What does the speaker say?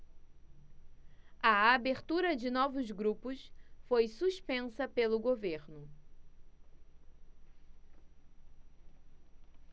a abertura de novos grupos foi suspensa pelo governo